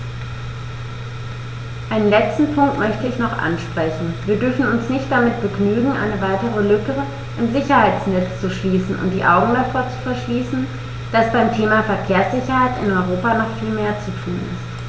Einen letzten Punkt möchte ich noch ansprechen: Wir dürfen uns nicht damit begnügen, eine weitere Lücke im Sicherheitsnetz zu schließen und die Augen davor zu verschließen, dass beim Thema Verkehrssicherheit in Europa noch viel mehr zu tun ist.